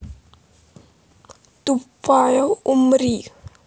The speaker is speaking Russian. тупая умри